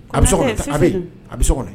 A bɛ a bɛ so kɔnɔ